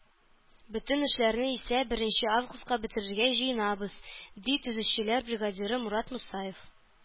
Бөтен эшләрне исә беренче августка бетерергә җыенабыз, - ди төзүчеләр бригадиры Мурат Мусаев.